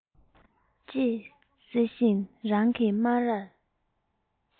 ཅེས བཤད བཞིན རང གི སྨ རར